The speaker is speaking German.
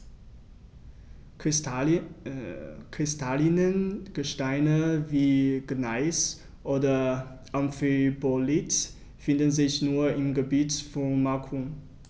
Kristalline Gesteine wie Gneis oder Amphibolit finden sich nur im Gebiet von Macun.